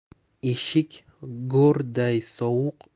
eshik go'rday sovuq